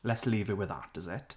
Let's leave it with that, is it?